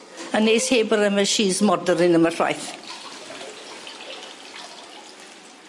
yn neis heb yr yy machies modern 'yn ambell waith.